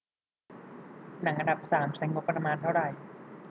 หนังอันดับสามใช้งบประมาณเท่าไหร่